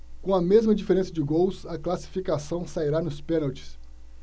com a mesma diferença de gols a classificação sairá nos pênaltis